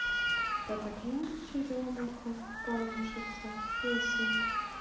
под окном черемуха колышится песня